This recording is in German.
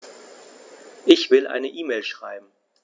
Ich will eine E-Mail schreiben.